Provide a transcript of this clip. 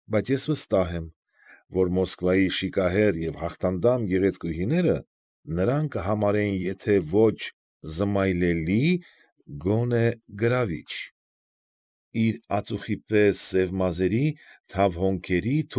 Բայց ես վստահ եմ, որ Մոսկվայի շիկահեր և հաղթանդամ գեղեցկուհիները նրան կհամարեին եթե ոչ «զմայլելի», գոնե, գրավիչ՝ իր ածուխի պես սև մազերի, թավ հոնքերի,